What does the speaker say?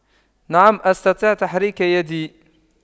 نعم أستطيع تحريك يدي